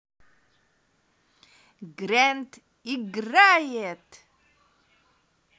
grand играет